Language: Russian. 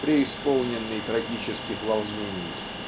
преисполненный трагических волнений.